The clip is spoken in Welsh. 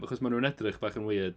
Achos maen nhw'n edrych bach yn weird.